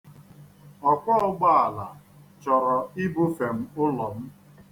Ọkwọ ụgbaala chọrọ ibufe m ụlọ m.